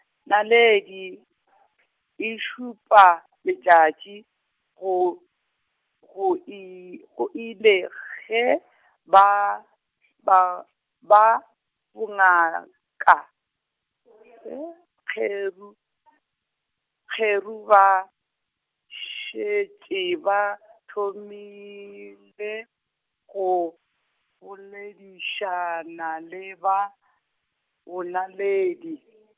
naledi , e šupa letšatši, go, go i go ile ge ba ba, ba bongaka, hee, Kgeru , Kgeru ba šetše ba thomile go, boledišana le ba, bonaledi .